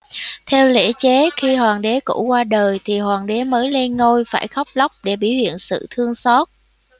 theo lễ chế khi hoàng đế cũ qua đời thì hoàng đế mới lên ngôi phải khóc lóc để biểu hiện sự thương xót